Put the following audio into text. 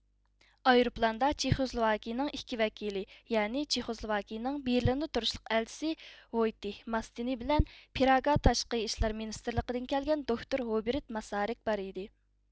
ئايروپىلاندا چېخسلوۋاكىيىنىڭ ئىككى ۋەكىلى يەنى چېخسلوۋاكىيىنىڭ بېرلىندا تۇرۇشلۇق ئەلچىسى ۋويتېھ ماستنى بىلەن پراگا تاشقى ئىشلار مىنىستىرلىقىدىن كەلگەن دوكتور ھۇبېرت ماسارىك بار ئىدى